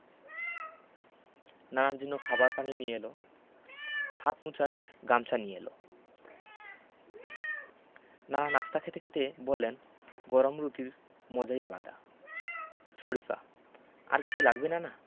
নানার জন্য খাবার পানি নিয়ে এলো হাত মুছার গামছা নিয়ে এলো নানা নাশতা খেতে খেতে বললেন গরম রুটির মজাই আলাদা শরিফা আর কিছু লাগবে নানা